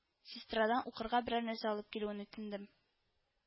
Сестрадан укырга берәр нәрсә алып килүен үтендем